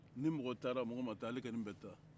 ni mɔgɔ taara mɔgɔ ma taa ale kɔni bɛ taa